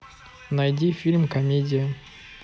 найди фильм комедия